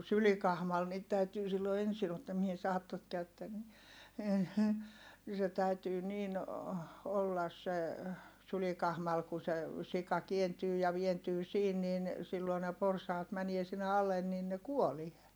sylikahmalla niitä täytyy silloin ensin ottaa - se täytyy niin olla se sylikahmalla kun se sika kääntyy ja vääntyy siinä niin silloin ne porsaat menee sinne alle niin ne kuolee